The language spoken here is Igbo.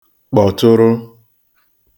kpọ̀tụrụ